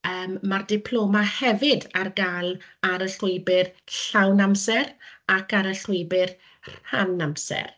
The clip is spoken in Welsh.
yym ma'r diploma hefyd ar gael ar y llwybr llawn amser ac ar y llwybr rhan amser.